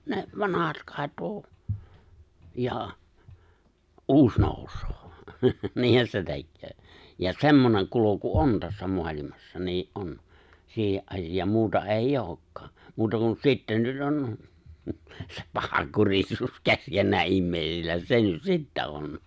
ne vanhat katoaa ja uusi nousee niinhän se tekee ja semmoinen kulku on tässä maailmassa niin on siihen asiaan muuta ei olekaan muuta kuin sitten nyt on se pahankurisuus keskenään ihmisillä se nyt sitten on